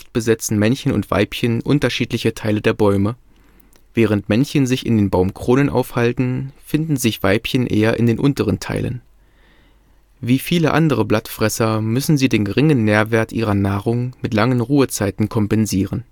besetzen Männchen und Weibchen unterschiedliche Teile der Bäume: während Männchen sich in den Baumkronen aufhalten, finden sich Weibchen eher in den unteren Teilen. Wie viele andere Blattfresser müssen sie den geringen Nährwert ihrer Nahrung mit langen Ruhezeiten kompensieren